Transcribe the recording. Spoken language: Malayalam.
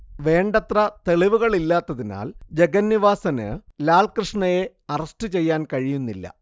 വേണ്ടത്ര തെളിവുകളില്ലാത്തതിനാൽ ജഗന്നിവാസനു ലാൽകൃഷ്ണയെ അറസ്റ്റു ചെയ്യാൻ കഴിയുന്നില്ല